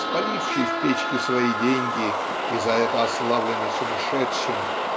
спаливший в печке свои деньги и за это ославленный сумасшедшим